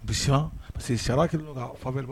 Bi parce que sa kelen